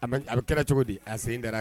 A a kɛra cogo di a sen da